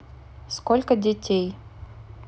сколько детей